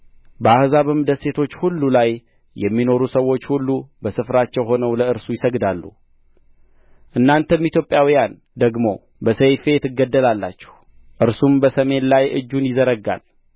በአሕዛብም ደሴቶች ሁሉ ላይ የሚኖሩ ሰዎች ሁሉ በስፍራቸው ሆነው ለእርሱ ይሰግዳሉ እናንተም ኢትዮጵያውያን ደግሞ በሰይፌ ትገደላላችሁ እርሱም በሰሜን ላይ እጁን ይዘረጋል